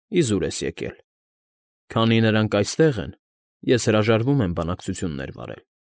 Իզուր ես եկել։ Քանի նրանք այստեղ են, ես հրաժարվում եմ բանակցություններ վարել։ ֊